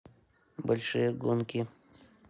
большие гонки